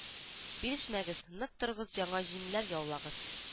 Бирешмәгез нык торыгыз яңа җиңүләр яулагыз